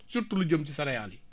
surtout lu jëm si céréales yi